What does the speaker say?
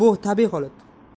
bu tabiiy holat